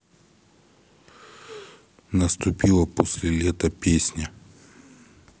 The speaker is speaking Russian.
наступила после лета песня